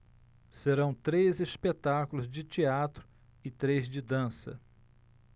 serão três espetáculos de teatro e três de dança